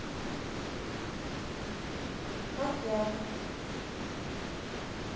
как я